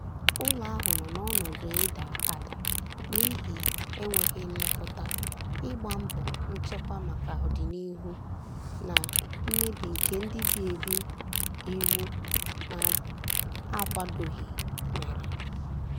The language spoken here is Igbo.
Ụlọ ahụ nọ n'ọnụ ịda ada n'ihi enweghị nlekọta, ịgba mbọ nchekwa maka ọdịnuhu, na mmebi nke ndị bi ebi iwu na-akwadoghị mere.